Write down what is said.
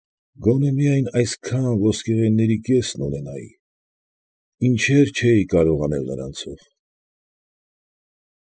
Գոնե միայն այսքան ոսկեղենների կեսն ունենայի, ինչեր չէի կարող անել նրանցով։